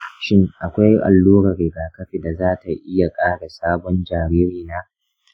shin akwai allurar rigakafi da za ta iya kare sabon jaririna?